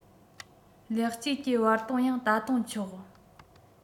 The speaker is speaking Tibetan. ལེགས བཅོས ཀྱི བར སྟོང ཡང ད དུང ཆོག